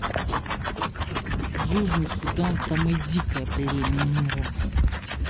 южный судан самое дикое племя мира